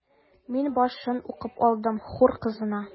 Мин башын укып алдым: “Хур кызына”.